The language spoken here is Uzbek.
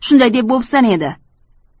shunday deb bo'psan edi